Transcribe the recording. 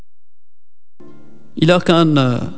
اذا كان